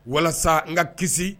Walasa n ka kisi